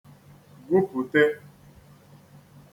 gwupùte